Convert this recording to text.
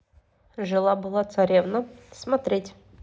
жила была царевна смотреть